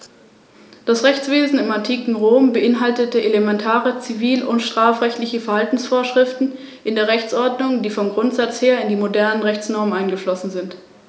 Im Gegensatz dazu haben Rattenigel keine Stacheln und erwecken darum einen eher Spitzmaus-ähnlichen Eindruck.